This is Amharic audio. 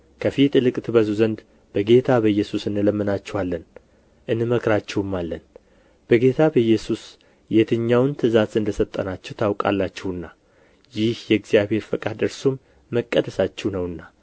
ከፊት ይልቅ ትበዙ ዘንድ በጌታ በኢየሱስ እንለምናችኋለን እንመክራችሁማለን በጌታ በኢየሱስ የትኛውን ትእዛዝ እንደ ሰጠናችሁ ታውቃላችሁና ይህ የእግዚአብሔር ፈቃድ እርሱም መቀደሳችሁ ነውና